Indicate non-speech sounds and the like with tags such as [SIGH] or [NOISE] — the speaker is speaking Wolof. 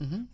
[HESITATION] [HESITATION]